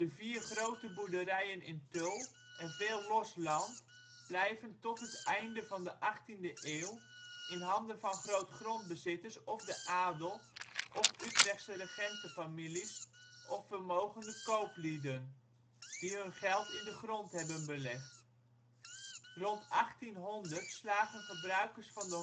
vier grote boerderijen in Tull en veel los land blijven tot het einde van de 18de eeuw in handen van groot-grondbezitters, óf de adel, óf Utrechtse regentenfamilies óf vermogende kooplieden, die hun geld in de grond hebben belegd. Rond 1800 slagen gebruikers van de